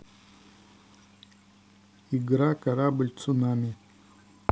игра корабль цунами